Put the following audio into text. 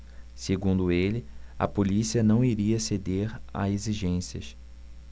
segundo ele a polícia não iria ceder a exigências